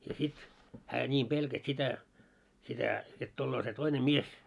ja sitten hän niin pelkäsi sitä sitä jotta tulee se toinen mies